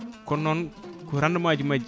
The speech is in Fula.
kono noon ko rendement ji majji